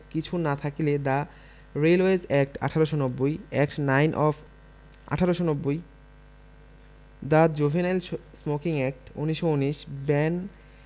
কিছু না থাকিলে the railways act ১৮৯০ act nine of ১৮৯০ the juvenile smoking act ১৯১৯ Ben